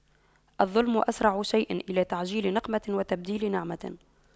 الظلم أسرع شيء إلى تعجيل نقمة وتبديل نعمة